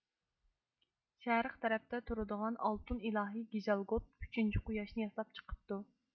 شەرق تەرەپتە تۇرىدىغان ئالتۇن ئىلاھى كىژالگوت ئۈچىنچى قۇياشنى ياساپ چىقىپتۇ